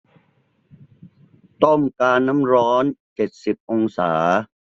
ต้มกาน้ำร้อนเจ็ดสิบองศา